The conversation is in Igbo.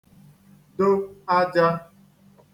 do ajā